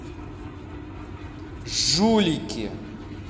жулики